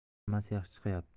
hammasi yaxshi chiqyapti